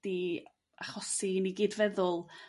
'di achosi i ni gyd feddwl